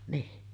niin